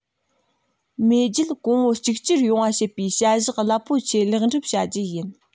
མེས རྒྱལ གོང བུ གཅིག གྱུར ཡོང བ བྱེད པའི བྱ གཞག རླབས པོ ཆེ ལེགས འགྲུབ བྱ རྒྱུ ཡིན